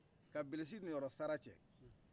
ka bilisi ninyɔrɔsara cɛ